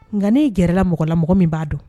Nka n'i gɛrɛla mɔgɔlamɔgɔ min b'a dɔn